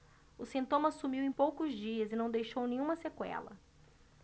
o sintoma sumiu em poucos dias e não deixou nenhuma sequela